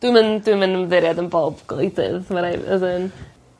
Dwi'm yn dwi'm yn ymddiried yn bob gwleidydd ma' rai odd yn.